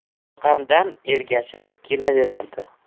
orqamdan ergashib kelaveradi